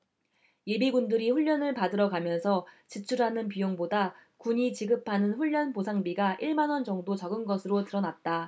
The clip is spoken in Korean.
예비군들이 훈련을 받으러 가면서 지출하는 비용보다 군이 지급하는 훈련 보상비가 일 만원 정도 적은 것으로 드러났다